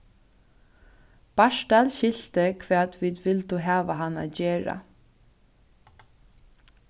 bartal skilti hvat vit vildu hava hann at gera